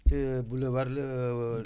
ca boulevard